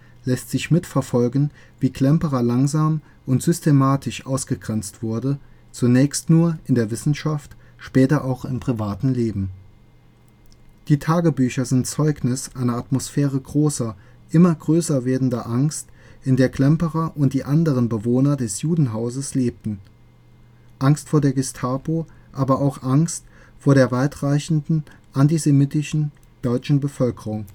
Klemperer langsam und systematisch ausgegrenzt wurde, zunächst nur in der Wissenschaft, später auch im privaten Leben. Die Tagebücher sind Zeugnis einer Atmosphäre großer, immer größer werdender Angst, in der Klemperer und die anderen Bewohner des „ Judenhauses “lebten: Angst vor der Gestapo, aber auch Angst vor der weitreichend antisemitischen deutschen Bevölkerung